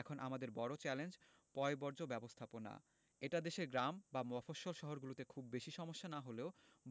এখন আমাদের বড় চ্যালেঞ্জ পয়ঃবর্জ্য ব্যবস্থাপনা এটা দেশের গ্রাম বা মফস্বল শহরগুলোতে খুব বেশি সমস্যা না হলেও